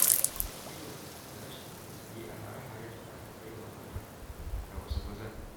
Akwai mugunta da rashin tausayi a hare-haren da ake kai wa matan (da wasu mazan).